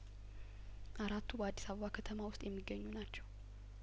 አራቱ በአዲስ አበባ ከተማ ውስጥ የሚገኙ ናቸው